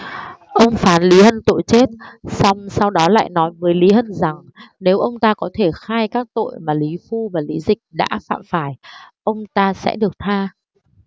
ông phán lý hân tội chết song sau đó lại nói với lý hân rằng nếu ông ta có thể khai các tội mà lý phu và lý dịch đã phạm phải ông ta sẽ được tha